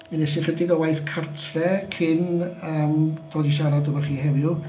Mi wnes i chydig o waith cartref cyn yym dod i siarad efo chi heddiw.